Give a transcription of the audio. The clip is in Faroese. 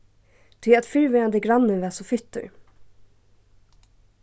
tí at fyrrverandi grannin var so fittur